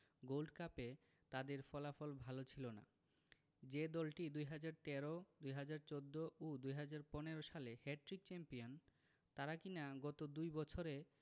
gold কাপে তাদের ফলাফল ভালো ছিল না যে দলটি ২০১৩ ২০১৪ ও ২০১৫ সালে হ্যাটট্রিক চ্যাম্পিয়ন তারা কিনা গত দুই বছরে